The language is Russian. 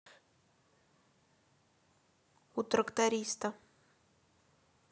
у тракториста